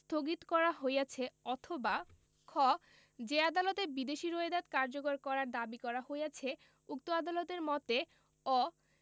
স্থগিত করা হইয়াছে অথবা খ যে আদালতে বিদেশী রোয়েদাদ কার্যকর করার দাবী করা হইয়াছে উক্ত আদালতের মতে অ